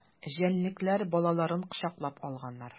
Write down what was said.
Җәнлекләр балаларын кочаклап алганнар.